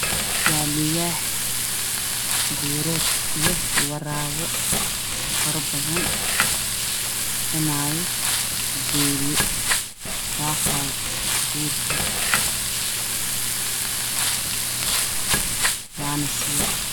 Waa libax duured io warabo farabadan cunay geel daqaya duurka waan sawir